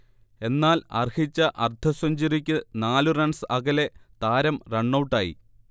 എന്നാൽ അർഹിച്ച അർധസെഞ്ച്വറിക്ക് നാല് റൺസ് അകലെ താരം റണ്ണൗട്ടായി